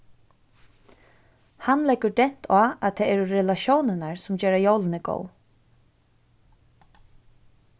hann leggur dent á at tað eru relatiónirnar sum gera jólini góð